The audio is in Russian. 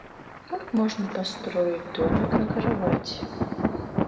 как можно построить домик на кровати